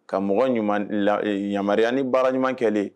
Ka mɔgɔ ɲuman la yamaruya ni baara ɲuman kɛlen ye.